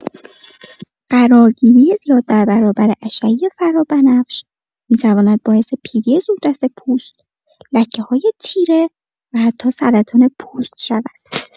قرارگیری زیاد در برابر اشعه فرابنفش می‌تواند باعث پیری زودرس پوست، لکه‌های تیره و حتی سرطان پوست شود.